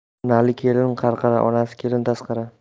onali kelin qarqara onasiz kelin tasqara